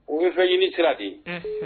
O bɛ fɛ ɲini sira di